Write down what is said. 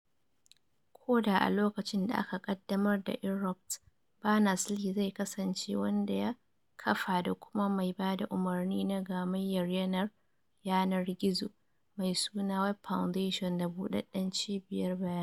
Ko da a lokacin da aka kaddamar da Inrupt, Berners-Lee zai kasance wanda ya kafa da kuma mai ba da umarni na Gammayyar Yanar Gizo, mai suna Web Foundation da Budaden Cibiyar Bayanai.